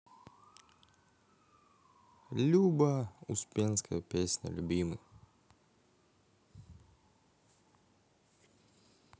люба успенская песня любимый